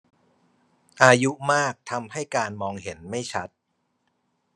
อายุมากทำให้การมองเห็นไม่ชัด